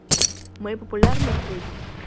мои популярные треки